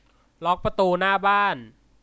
ล็อคประตูหน้าบ้าน